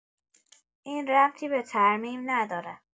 این ربطی به ترمیم نداره.